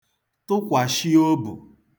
tụkwàshị obù